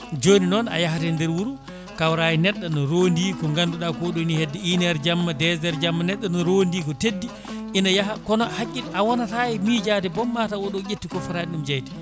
joni noon a yaahat e nder wuuro kawra e neɗɗo ne rondi ko ganduɗa koɗo ni hedde 1 heure jamma 2 heures jamma neɗɗo ne rondi ko teddi ina yaaha kono haqqil a wonata e miijade boom matw oɗo ƴetti ko footani ɗum jeeyde